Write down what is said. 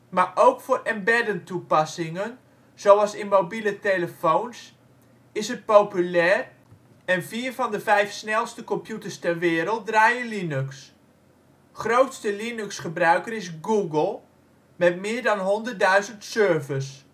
maar ook voor embedded toepassingen (zoals in mobiele telefoons) is het populair en vier van de vijf snelste computers ter wereld draaien Linux. Grootste Linux-gebruiker is Google (met meer dan 100.000 servers